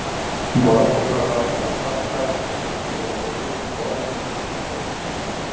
Барып ашарга алсак та – ширкәтебез барысы өчен дә түли.